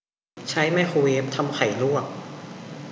ใช้ไมโครเวฟทำไข่ลวก